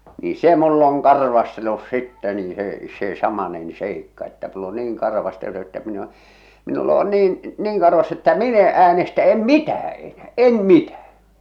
niin se minulla on karvastellut sitten niin se se samainen seikka että minulla on niin karvastellut että minä en ole minulla on niin niin karvas että minä en äänestä en mitään enää